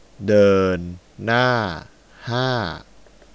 เดินหน้าห้า